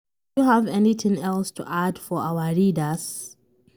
Do you have anything else to add for our readers?